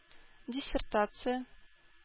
Диссертация